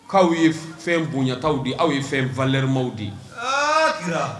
Aw ye fɛn bonyayantaw de ye aw ye fɛnfalɛmaw de ye